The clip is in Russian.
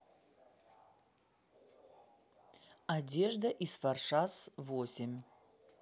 одежда из форсаж восемь